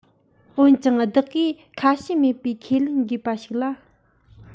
འོན ཀྱང བདག གིས ཁ ཞེ མེད པར ཁས ལེན དགོས པ ཞིག ལ